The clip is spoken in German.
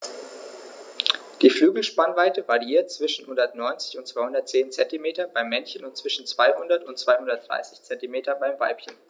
Die Flügelspannweite variiert zwischen 190 und 210 cm beim Männchen und zwischen 200 und 230 cm beim Weibchen.